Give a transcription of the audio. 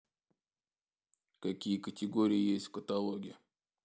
какие категории есть в каталоге